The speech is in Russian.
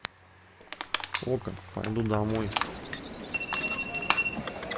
aikko поеду домой